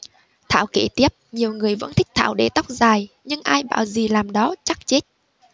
thảo kể tiếp nhiều người vẫn thích thảo để tóc dài nhưng ai bảo gì làm đó chắc chết